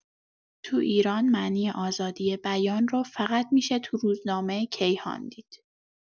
تو ایران معنی آزادی بیان رو فقط می‌شه تو روزنامه کیهان دید!